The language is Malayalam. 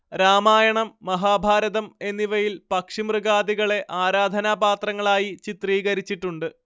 രാമായണം മഹാഭാരതം എന്നിവയിൽ പക്ഷിമൃഗാദികളെ ആരാധനാപാത്രങ്ങളായി ചിത്രീകരിച്ചിട്ടുണ്ട്